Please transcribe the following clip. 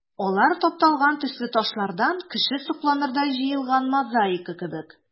Алар тапталган төсле ташлардан кеше сокланырдай җыелган мозаика кебек.